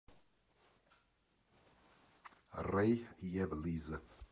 Ռեյ և Լիզ։